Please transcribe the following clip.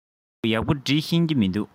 ཁོས ཡག པོ འབྲི ཤེས ཀྱི མིན འདུག